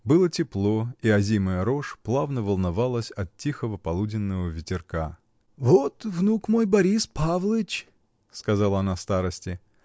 Было тепло, и озимая рожь плавно волновалась от тихого полуденного ветерка. — Вот внук мой, Борис Павлыч! — сказала она старосте.